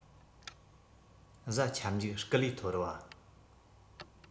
གཟའ ཁྱབ འཇུག སྐུ ལུས ཐོར བ